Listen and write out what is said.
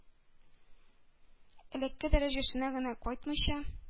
Элекке дәрәҗәсенә генә кайтмыйча,